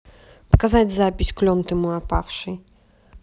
показать запись клен ты мой опавший